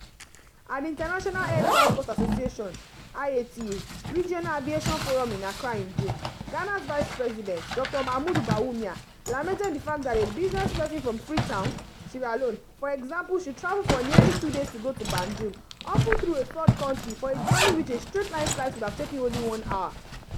At the International Air Transport Association (IATA) regional aviation forum in Accra in June, Ghana's Vice President, Dr. Mahamudu Bawumia lamented the fact that “a business person from Freetown [Sierra Leone], for example, should travel for nearly two days to go to Banjul (often through a third country) for a journey which a straight-line flight would have taken only one hour.”